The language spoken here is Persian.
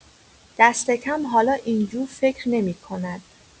دست‌کم حالا این‌جور فکر نمی‌کند.